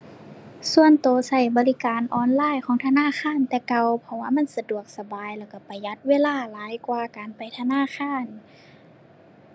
ส่วนตัวตัวบริการออนไลน์ของธนาคารแต่เก่า เพราะว่ามันสะดวกสบาย แล้วตัวประหยัดเวลาหลายกว่าการไปธนาคาร